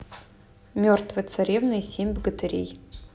мертвая царевна и семь богатырей